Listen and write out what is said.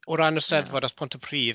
O ran y 'Steddfod at Pontypridd.